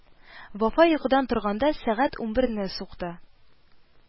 Вафа йокыдан торганда, сәгать унберне сукты